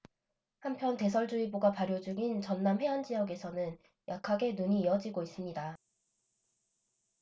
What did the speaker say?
한편 대설주의보가 발효 중인 전남 해안 지역에서는 약하게 눈이 이어지고 있습니다